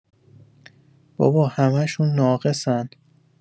بابا همشون ناقصن